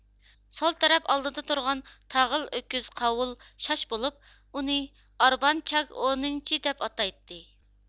سول تەرەپ ئالدىدا تۇرغان تاغىل ئۆكۈز قاۋۇل شاش بولۇپ ئۇنى ئاربان چاگ ئونىنچى دەپ ئاتايتتى